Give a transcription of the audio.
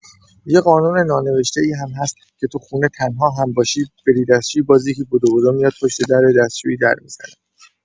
یه قانون نانوشته‌ای هم هست که تو خونه تنها هم‌باشی بری دستشویی باز یکی بدو بدو میاد پشت در دستشویی در می‌زنه.